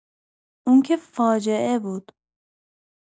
اون که فاجعه بود.